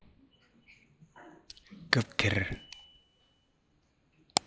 སྐབས དེར